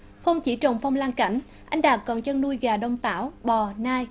không chỉ trồng phong lan cảnh anh đạt còn chăn nuôi gà đông tảo bò nai